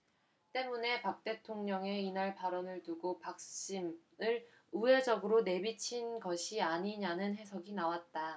때문에 박 대통령의 이날 발언을 두고 박심 을 우회적으로 내비친 것 아니냐는 해석이 나왔다